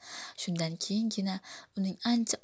shundan keyingina uning ancha